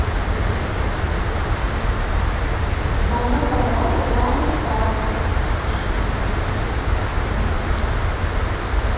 новая подарка бравл старс